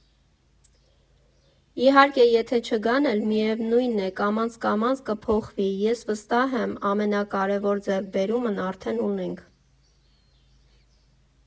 Իհարկե, եթե չգան էլ, միևնույն է՝ կամաց֊կամաց կփոխվի, ես վստահ եմ, ամենակարևոր ձեռքբերումն արդեն ունենք.